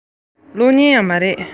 མིན ལ གློག བརྙན ཡང མ ཡིན